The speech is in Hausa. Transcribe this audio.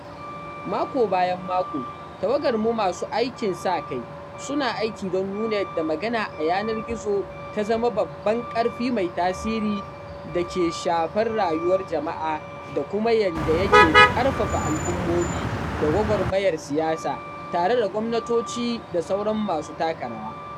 Mako bayan mako, tawagarmu ta masu aikin sa-kai suna aiki don nuna yadda magana a yanar gizo ta zama babban ƙarfi mai tasiri da ke shafar rayuwar jama’a, da kuma yanda yake ƙarfafa al’ummomi da gwagwarmayar siyasa tare da gwamnatoci da sauran masu taka rawa .